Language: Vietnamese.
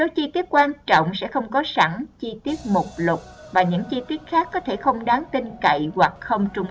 một số chi tiết quan trọng sẽ không có sẵn chi tiết mục lục và những chi tiết khác có thể không đáng tin cậy hoặc không trung thực